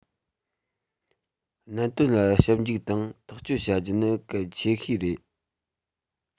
གནད དོན ལ ཞིབ འཇུག དང ཐག གཅོད བྱ རྒྱུ ནི གལ ཆེ ཤོས རེད